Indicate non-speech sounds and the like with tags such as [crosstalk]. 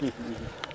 [hesitation] [hesitation]